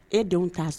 E denw t'a sa